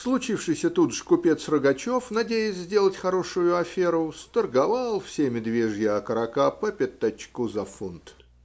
Случившийся тут же купец Рогачов, надеясь сделать хорошую аферу, сторговал все медвежьи окорока по пятачку за фунт.